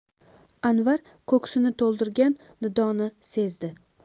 anvar ko'ksini to'ldirgan nidoni sezdi